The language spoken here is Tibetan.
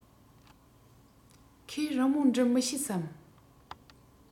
ཁོས རི མོ འབྲི མི ཤེས སམ